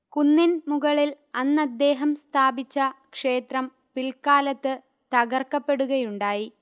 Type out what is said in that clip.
കുന്നിൻ മുകളിൽ അന്നദ്ദേഹം സ്ഥാപിച്ച ക്ഷേത്രം പിൽക്കാലത്ത് തകർക്കപ്പെടുകയുണ്ടായി